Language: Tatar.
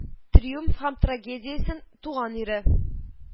Триумф һәм трагедиясен, туган ире